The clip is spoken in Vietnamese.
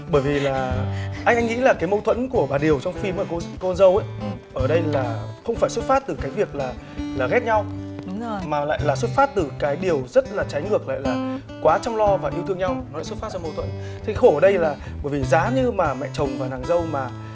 bởi vì là anh anh nghĩ là cái mâu thuẫn của bà điều trong phim cô dâu ý ở đây là không phải xuất phát từ cái việc là là ghét nhau mà lại là xuất phát từ cái điều rất là trái ngược lại là quá chăm lo và yêu thương nhau nó lại xuất phát ra mâu thuẫn thì khổ đây là bởi vì giá như là mẹ chồng và nàng dâu mà